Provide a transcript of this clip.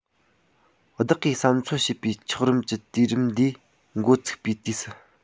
བདག གིས བསམ ཚོད བྱས པའི འཁྱགས རོམ གྱི དུས རིམ འདིའི མགོ ཚུགས པའི དུས སུ